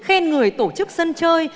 khen người tổ chức sân chơi